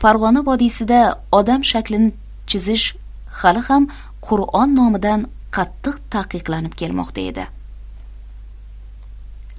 farg'ona vodiysida odam shaklini chizish hali ham qur'on nomidan qattiq taqiqlanib kelmoqda edi